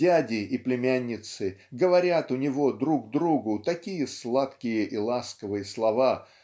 дяди и племянницы говорят у него друг другу такие сладкие и ласковые слова